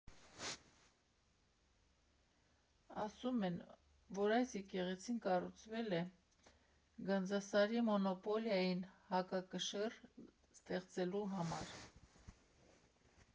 Ասում են, որ այս եկեղեցին կառուցվել է Գանձասարի մոնոպոլիային հակակշիռ ստեղծելու համար։